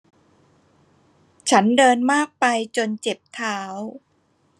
ฉันเดินมากไปจนเจ็บเท้า